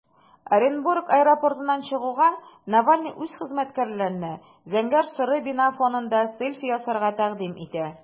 Оренбург аэропортыннан чыгуга, Навальный үз хезмәткәрләренә зәңгәр-соры бина фонында селфи ясарга тәкъдим итә.